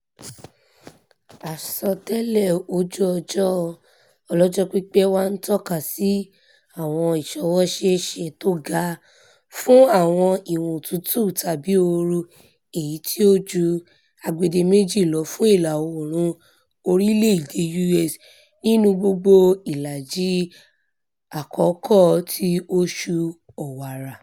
Àsọtẹ́lẹ̀ ojú-ọjọ́ ọlọ́jọ́pípẹ́ wa ńtọ́kasí àwọ̀n ìṣọwọ́ṣeéṣe tóga fún àwọ̀n ìwọ̀n otútù tàbí ooru èyití ó ju agbedeméjì lọ fún ìlà-oòrùn orílẹ̀-èdè U.S. nínú gbogbo ìlàjí àkọ́kọ́ ti oṣù Ọ̀wàrà.